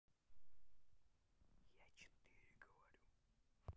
а четыре говорю